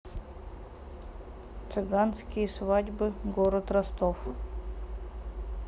цыганские свадьбы город ростов